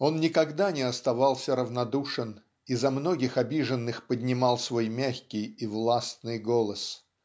он никогда не оставался равнодушен и за многих обиженных поднимал свой мягкий и властный голос.